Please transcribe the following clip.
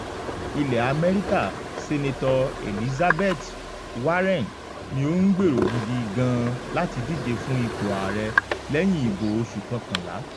ilẹ̀ Amẹ́ríkà Sínátọ̀ Elizabeth Wareen ní òun “gbèrò gidi gan-an láti díje fún ipò ààrẹ” lẹ́yìn ibò oṣù kọkànlá.